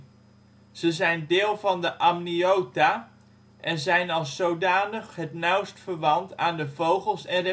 Ze zijn deel van de Amniota en zijn als zodanig het nauwst verwant aan de vogels en